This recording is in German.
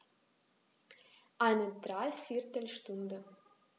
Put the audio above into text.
Eine dreiviertel Stunde